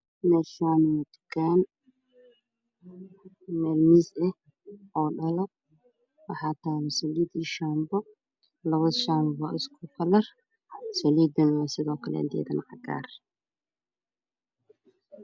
Meeshaan waa tukaan meel miis ah oo dhalo waxa taala saliid iyo shaanbo labo shaanbo waa isku kalar saliidana sidoo kale ayadana waa cagaar